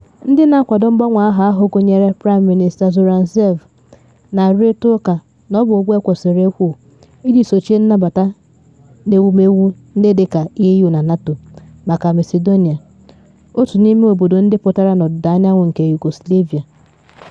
Ndị na akwado mgbanwe aha ahụ, gụnyere Praịm Minista Zoran Zaev, na arụrịta ụka na ọ bụ ụgwọ ekwesịrị ịkwụ iji sochie nnabata n’ewumewu ndị dị ka EU na NATO maka Macedonia, otu n’ime obodo ndị pụtara n’ọdịda nke Yugoslavia.